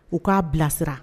U k'a bila sira.